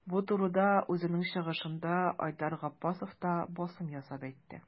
Бу турыда үзенең чыгышында Айдар Габбасов та басым ясап әйтте.